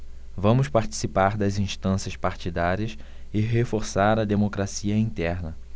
vamos participar das instâncias partidárias e reforçar a democracia interna